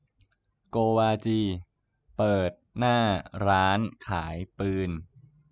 โกวาจีเปิดหน้าร้านขายปืน